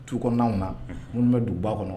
Tu kɔnɔnaw na minnu bɛ duguba kɔnɔ.